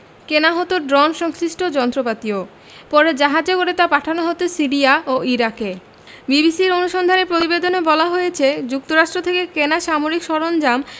কেনা হতো ড্রোন সংশ্লিষ্ট যন্ত্রপাতিও পরে জাহাজে করে তা পাঠানো হতো সিরিয়া ও ইরাকে বিবিসির অনুসন্ধানী প্রতিবেদনে বলা হয়েছে যুক্তরাষ্ট্র থেকে কেনা সামরিক সরঞ্জাম